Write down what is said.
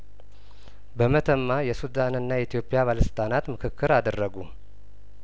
በመተማ የሱዳንና የኢትዮጵያ ባለስልጣናት ምክክር አደረጉ